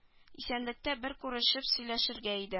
Исәнлектә бер күрешеп сөйләшергә иде